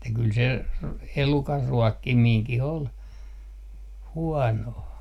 että kyllä se - elukan ruokkiminenkin oli huonoa